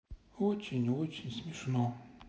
очень очень смешно